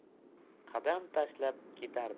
qadam tashlab ketardi